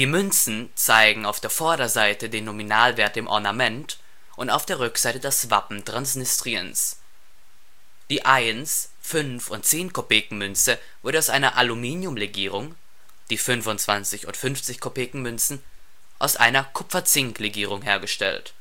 Münzen zeigen auf der Vorderseite den Nominalwert im Ornament und auf der Rückseite das Wappen Transnistriens. Die 1 -, 5 - und 10-Kopeken-Münze wurden aus einer Aluminium-Legierung, die 25 - und 50-Kopeken-Münze aus einer Kupfer-Zink-Legierung hergestellt